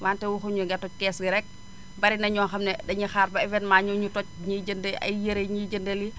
wante waxuñu la nga toj kees gi rek bari na ñoo xam ne dañuy xaar ba évñement ñëw ñu toj ñiy jënd ay yére ñii jëndee lii